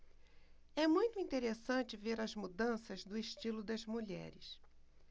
é muito interessante ver as mudanças do estilo das mulheres